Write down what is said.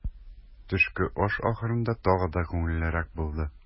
Төшке аш ахырында тагы да күңеллерәк булды.